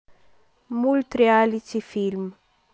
мульт реалити фильм